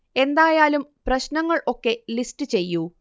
എന്തായാലും പ്രശ്നങ്ങൾ ഒക്കെ ലിസ്റ്റ് ചെയ്യൂ